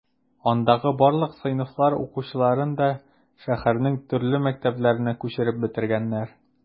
Андагы барлык сыйныфлар укучыларын да шәһәрнең төрле мәктәпләренә күчереп бетергәннәр.